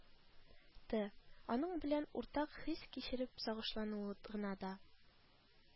Ты, аның белән уртак хис кичереп сагышлануы гына да